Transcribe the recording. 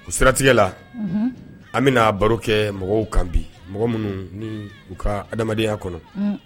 U siratigɛla an bɛna baro kɛ mɔgɔw kan bi mɔgɔ minnu ni u ka adamadenya kɔnɔ